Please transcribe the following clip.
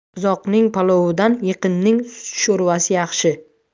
uzoqning palovidan yaqinning sho'rvasi yaxshi